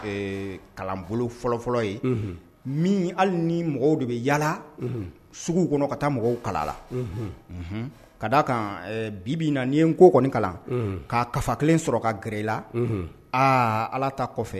Kalanbolo fɔlɔfɔlɔ min hali ni mɔgɔw de bɛ yalala sugu kɔnɔ ka taa mɔgɔw kalala ka da kan bibi na n'i ye ko kɔni kalan ka kafa kelen sɔrɔ ka gela aa ala ta kɔfɛ